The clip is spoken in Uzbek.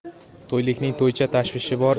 to'ylikning to'ycha tashvishi bor